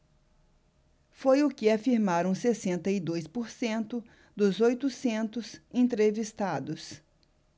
foi o que afirmaram sessenta e dois por cento dos oitocentos entrevistados